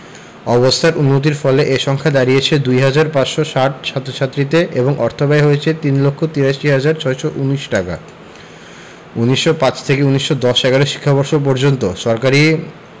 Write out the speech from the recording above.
অবস্থার উন্নতির ফলে ওই সংখ্যা দাঁড়িয়েছে ২ হাজার ৫৬০ ছাত্রছাত্রীতে এবং অর্থব্যয় হয়েছে ৩ লক্ষ ৮৩ হাজার ৬১৯ টাকা ১৯০৫ থেকে ১৯১০ ১১ শিক্ষাবর্ষ পর্যন্ত সরকারি